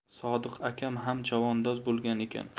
sodiq akam ham chavandoz bo'lgan ekan